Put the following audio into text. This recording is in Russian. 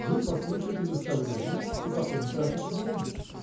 Вы выслушаете наставления и потом тратите деньги.